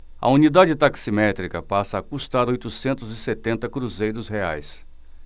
a unidade taximétrica passa a custar oitocentos e setenta cruzeiros reais